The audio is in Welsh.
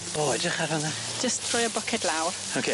O edrych ar hwnna. Jyst rhoi y bwced lawr. Oce.